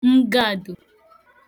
ngàdo